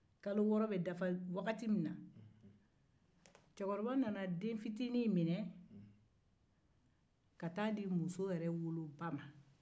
kalo wɔɔrɔ bɛ dafa wagati min na cɛkɔrɔba nana den fitiinin in minɛ ka taga a di muso yɛrɛ woloba ma